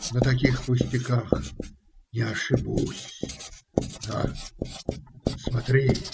На таких пустяках не ошибусь. На, смотри!